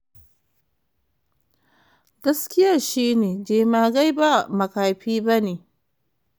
Gaskiyar shi ne jemagai ba makafi bane.